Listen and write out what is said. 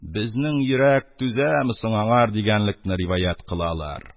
— безнең йөрәк түзәме соң аңар! — дигәнлекене риваять кылалар